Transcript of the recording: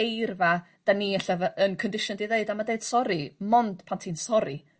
eirfa 'dan ni ella f- yn conditioned i ddeud a ma' deud sori 'mond pan ti'n sori